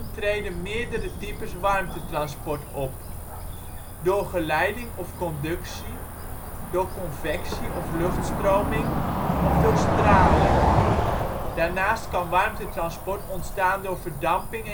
treden meerdere types warmtetransport op: door geleiding of conductie; door convectie of luchtstroming; door straling; Daarnaast kan warmtetransport ontstaan door verdamping